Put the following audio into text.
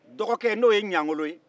dɔgɔkɛ n'o ye ɲangolo ye